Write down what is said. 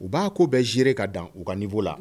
U b'a ko bɛn ziere ka dan u ka nin' la